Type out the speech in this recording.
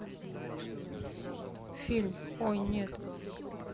фильм ой нет